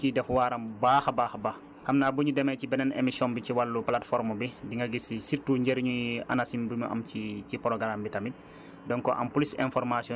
donc côté boobu Anacim mu ngi ciy def waaram bu baax a baax a baax xam naa bu ñu demee ci beneen émission bi ci wàllu plateforme bi di nga gis surtout njëriñu Anacim bi mu am ci ci programme bi tamit